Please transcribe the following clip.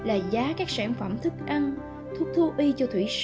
là giá các sản phẩm thức ăn thuốc thú y cho thủy sản